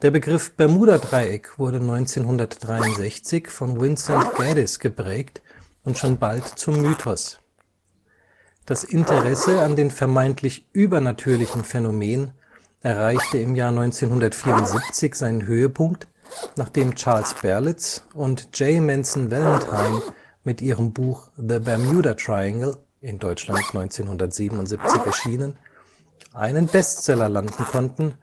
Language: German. Begriff Bermudadreieck wurde 1963 von Vincent Gaddis geprägt und schon bald zum Mythos. Das Interesse an den vermeintlich übernatürlichen Phänomenen erreichte 1974 seinen Höhepunkt, nachdem Charles Berlitz und J. Manson Valentine mit ihrem Buch The Bermuda Triangle (in Deutschland 1977 erschienen) einen Bestseller landen konnten